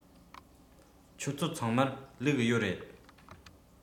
ཁྱོད ཚོ ཚང མར ལུག ཡོད རེད